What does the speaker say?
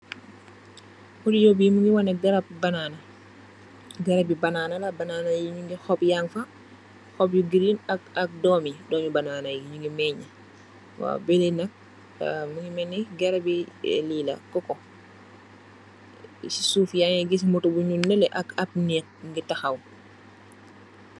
Mu ngi wane garab i banaana, garab bi banaana..banaana bi xob yaang fa, xob bi giriin ak doom i banaana yi, ñu ngi mééñe. Bii ni nak, mu ngi melni garab i kokko la, si suuf yaa ngi gis motto bu ñuul nëllé, ak ab nëëk mu ngi taxaw.